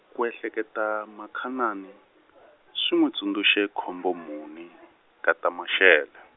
ku ehleketa Makhanani, swi n'wi tsundzuxe Khombomuni, nkata Mashele.